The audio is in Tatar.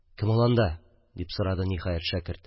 – кем ул анда? – дип сорады, ниһәят, шәкерт.